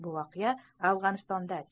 bu voqea afg'onistonda